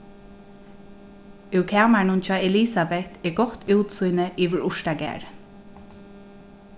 úr kamarinum hjá elisabet er gott útsýni yvir urtagarðin